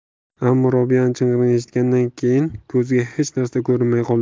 ammo robiyaning chinqirig'ini eshitgandan keyin ko'ziga hech narsa ko'rinmay qoldi